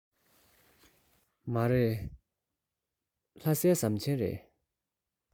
མ རེད ལྷ སའི ཟམ ཆེན རེད